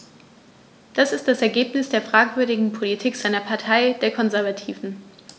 Das ist das Ergebnis der fragwürdigen Politik seiner Partei, der Konservativen.